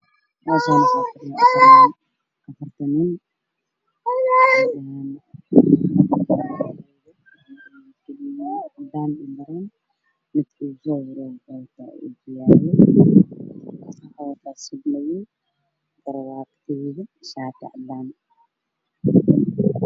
Meeshaan waxaa fadhiyaa niman mid wuxuu wataa suud madow shaati cadaan mid wuxuu watasheeri midow ga cad ayaa hor yaalla miis cad ayey horyaalo kuraas ayey ku fadhiyaan dad wey ka dambeeyaan